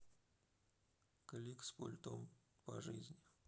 клик с пультом по жизни